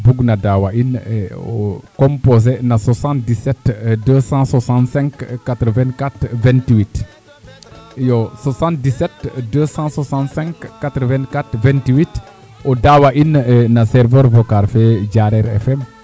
bugna daawa in o composer na 772658428 iyo 772658428o daawa in no serveur vocale fee Diarere FM